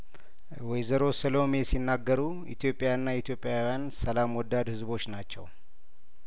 ወይዘሮ ሰሎሜ ሲናገሩ ኢትዮጵያና ኢትዮጵያውያን ሰላም ወዳድ ህዝቦች ናቸው